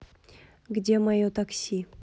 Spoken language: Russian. где мое такси